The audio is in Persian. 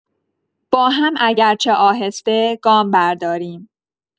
با هم اگرچه آهسته گام برداریم.